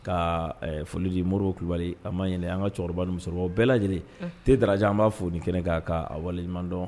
Ka folidi mori kulubali an maɛlɛn an ka cɛkɔrɔba ni musokɔrɔba bɛɛ lajɛlen tee da an b'a fɔ ni kɛnɛ''a waliɲumandɔn